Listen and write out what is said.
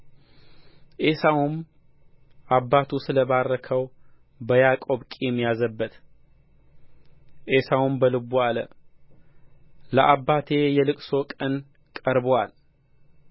ዔሳውም አባቱ ስለ ባረከው በያዕቆብ ቂም ያዘበት ዔሳውም በልቡ አለ ለአባቴ የልቅሶ ቀን ቀርቦአል